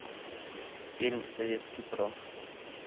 фильм советский про